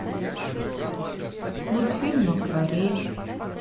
мультфильм акварель